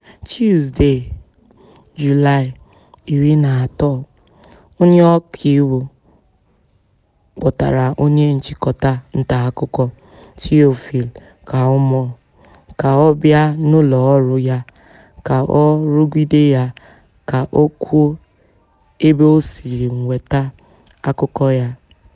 Tuzdee, Julaị 13, onye ọka iwu kpọtara onye nchịkọta ntaakụkọ Théophile Kouamouo ka ọ bịa n'ụlọ ọrụ ya ka ọ rugide ya ka o kwuo ebe o siri nweta akụkọ ya.